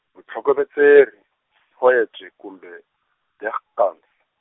vutlhokovetseri, poetry kumbe, digkuns.